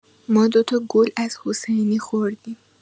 ما دوتا گل از حسینی خوردیم